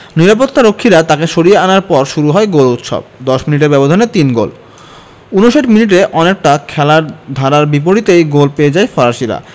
নিরাপত্তারক্ষীরা তাকে সরিয়ে আনার পর শুরু হয় গোল উৎসব ১০ মিনিটের ব্যবধানে তিন গোল ৫৯ মিনিটে অনেকটা খেলার ধারার বিপরীতেই গোল পেয়ে যায় ফরাসিরা